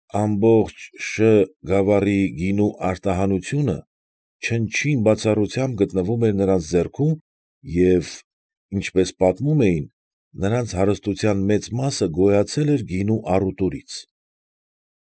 Ամբողջ Շ… գավառի գինու արտահանությունը չնչին բացառությամբ գտնվում էր նրանց ձեռքում և, ինչպես պատմում էին, նրանց հարստության մեծ մասը գոյացել էր գինու առուտուրից։